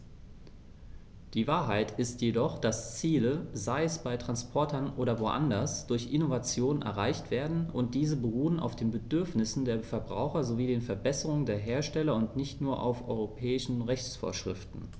Die Wahrheit ist jedoch, dass Ziele, sei es bei Transportern oder woanders, durch Innovationen erreicht werden, und diese beruhen auf den Bedürfnissen der Verbraucher sowie den Verbesserungen der Hersteller und nicht nur auf europäischen Rechtsvorschriften.